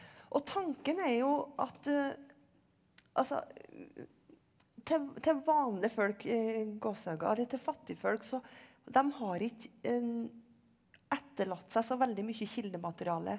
og tanken er jo at altså til til vanlige folk i gåseøyne til fattigfolk så dem har ikke etterlatt seg så veldig mye kildemateriale.